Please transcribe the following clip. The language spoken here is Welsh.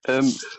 yym